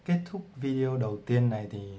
kết thích video đầu tiên này